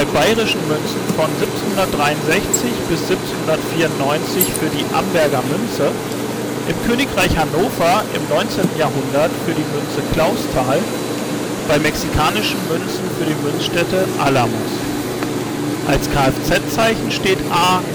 bayerischen Münzen von 1763 bis 1794 für die Amberger Münze. im Königreich Hannover im 19. Jh. für die Münze Clausthal. bei mexikanischen Münzen für die Münzstätte Alamos. als Kfz-Kennzeichen steht A